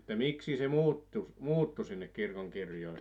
että miksi se muuttui muuttui sinne kirkonkirjoihin